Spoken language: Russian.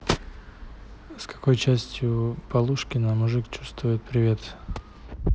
с какой частью полушкина мужик чувствует привет